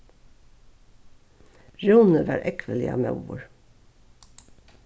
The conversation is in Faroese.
rúni var ógvuliga móður